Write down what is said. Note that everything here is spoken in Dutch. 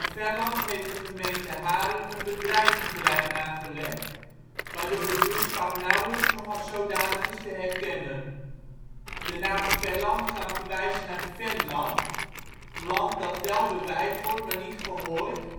heeft de gemeente Haren een bedrijventerrein aangelegd, waardoor de buurtschap nauwelijks nog als zodanig is te herkennen. De naam Felland kan verwijzen naar Fenland (land dat wel beweid wordt, maar niet gehooid